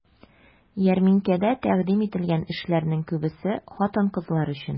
Ярминкәдә тәкъдим ителгән эшләрнең күбесе хатын-кызлар өчен.